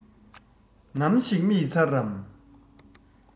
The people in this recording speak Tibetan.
ནམ ཞིག རྨས ཚར རམ